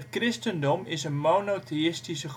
christendom is een monotheïstische